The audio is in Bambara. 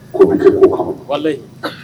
Ko kɛ ko ye